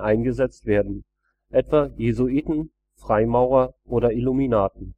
eingesetzt werden, etwa Jesuiten, Freimaurer oder Illuminaten.